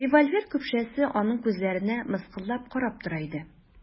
Револьвер көпшәсе аның күзләренә мыскыллап карап тора иде.